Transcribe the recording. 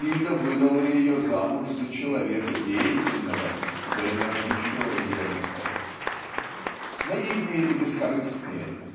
Лида выдала ее замуж за человека деятельного за энергичного земца?. Наивные и бескорыстные